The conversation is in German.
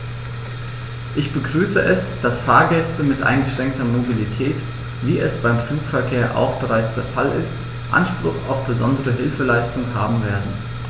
Ich begrüße es, dass Fahrgäste mit eingeschränkter Mobilität, wie es beim Flugverkehr auch bereits der Fall ist, Anspruch auf besondere Hilfeleistung haben werden.